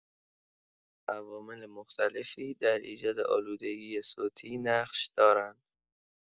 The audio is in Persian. عوامل مختلفی در ایجاد آلودگی صوتی نقش دارند.